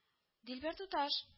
Дилбәр туташ